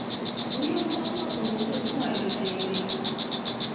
Бу яңалыкны ул үзе уңай дип бәяли.